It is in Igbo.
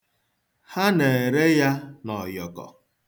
Ha na-ere ya na ọyọkọ